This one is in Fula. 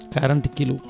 quarente kilos